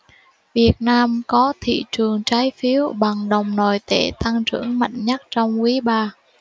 việt nam có thị trường trái phiếu bằng đồng nội tệ tăng trưởng mạnh nhất trong quý ba